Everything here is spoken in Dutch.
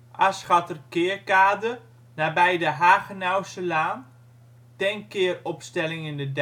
Asschatterkeerkade nabij de Hagenouwselaan, tankkeer opstelling in de dijk